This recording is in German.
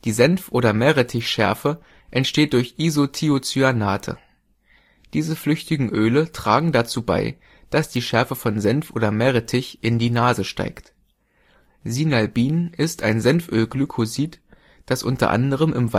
Senf - oder Meerrettichschärfe entsteht durch Isothiocyanate. Diese flüchtigen Öle tragen dazu bei, dass die Schärfe von Senf oder Meerrettich „ in die Nase steigt “. Sinalbin ist ein Senfölglykosid, das unter anderem